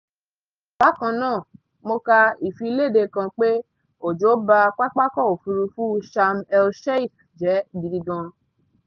Bákan náà mo ka ìfiléde kan pé òjò ba pápákọ̀ òfurufú Sham El-Sheikh jẹ́ gidi gan!